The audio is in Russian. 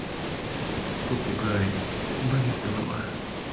попугай болит голова